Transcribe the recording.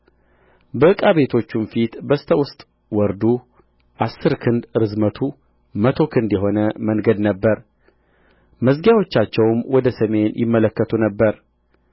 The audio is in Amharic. በዕቃ ቤቶቹም ፊት በስተ ውስጥ ወርዱ አሥር ክንድ ርዝመቱ መቶ ክንድ የሆነ መንገድ ነበረ መዝጊያዎቻቸውም ወደ ሰሜን ይመለከቱ ነበር